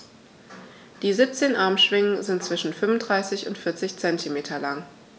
Die 17 Armschwingen sind zwischen 35 und 40 cm lang.